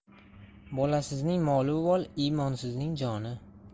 bolasizning moli uvol imonsizning joni